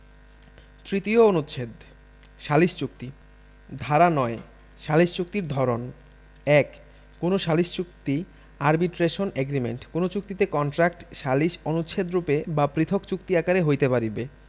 তৃতীয় অনুচ্ছেদ সালিস চুক্তি ধানা ৯ সালিস চুক্তির ধরণঃ ১ কোন সালিস চুক্তি আরবিট্রেশন এগ্রিমেন্ট কোন চুক্তিতে কন্ট্রাক্ট সালিস অনুচ্ছেদরূপে বা পৃথক চুক্তি আকারে হইতে পারিবে